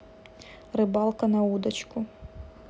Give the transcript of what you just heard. рыбалка на удочку